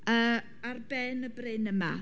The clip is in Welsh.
Yy ar ben y bryn yma.